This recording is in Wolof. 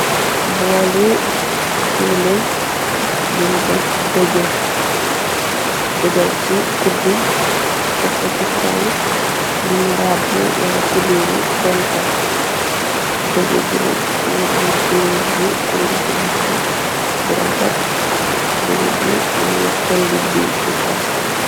Boolu fuule buñu def dege degal ci kuddu tekko ci kaw lunu rabb wala kubiru tenten dege ginag mini ame kuluur bu sungu ci bukke bu rafat dege ji nanga xeliddiw ci kaw.